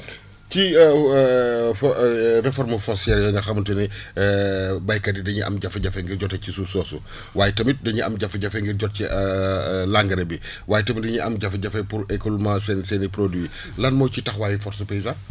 ci réforme foncière yooyu nga xamante ni béykat yi dañuy am jafe-jafe ngir jote ci suuf soosu waaye tamit dañuy am jafe-jafe ngir jot ci l' engrais bi waaye tamit dañuy am jafe-jafe pour écoulement seen seen i produits yi lan moo ciy taxawaayu force paysane